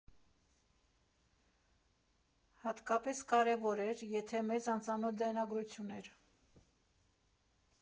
Հատկապես կարևոր էր, եթե մեզ անծանոթ ձայնագրություն էր։